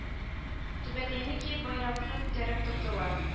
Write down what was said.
Түбәтәйне киеп байракны күтәреп тордылар